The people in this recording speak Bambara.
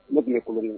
Ne tun kolon